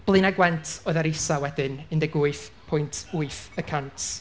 Blaenau Gwent oedd ar isa wedyn, un deg wyth pwynt wyth y cant.